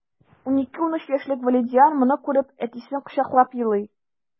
12-13 яшьлек вәлидиан моны күреп, әтисен кочаклап елый...